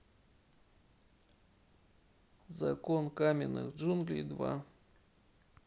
закон каменных джунглей два